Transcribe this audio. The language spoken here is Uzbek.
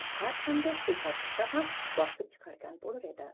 har qanday kulfat tushsa ham bosib chiqargan bo'lur edi